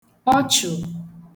ọchụ̀